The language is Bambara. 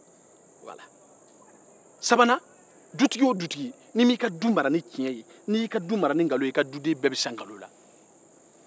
sabanan ni dutigi o dutigi y'a ka du mara ni nkalon ye i ka du bɛɛ bɛ sa nkalon na